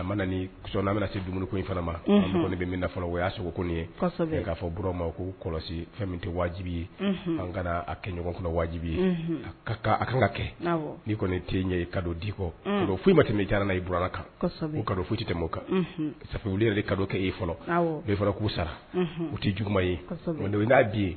Sɔn n'an bɛna se dumuni in fana ma kɔni bɛ min fɔlɔ o y'a sogo ko ye k'a fɔ b ma ko kɔlɔsi fɛn tɛ wajibi ye an ka kɛ ɲɔgɔn kɔnɔ wajibi ye kan ka kɛ ni'i kɔni tɛ ɲɛ i ka dikɔ foyi ma tɛmɛ diyara n i bɔra kan o ka futa tɛmɛ kan safeli yɛrɛ ka kɛ e fɔlɔ bɛ fɔra k'u sara u tɛ juguuma ye n'a di ye